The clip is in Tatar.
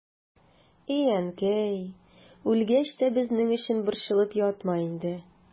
И әнкәй, үлгәч тә безнең өчен борчылып ятма инде.